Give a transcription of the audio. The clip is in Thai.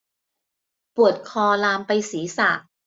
ปวดคอลามไปศีรษะ